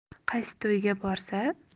qaysi to'yga borsa